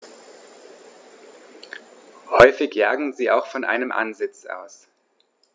Häufig jagen sie auch von einem Ansitz aus.